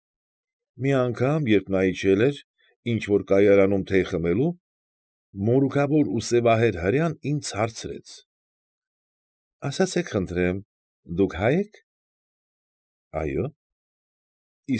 Մի անգամ երբ նա իջել էր ինչ֊որ կայարանում թեյ խմելու, մորուքավոր ու սևահեր հրեան ինձ հարցրեց. ֊ Ասացեք խնդրեմ, դուք հա՞յ եք։ ֊ Այո։ ֊